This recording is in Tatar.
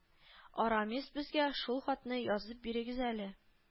Арамис, безгә шул хатны язып бирегез әле